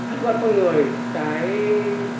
thân phận con người cái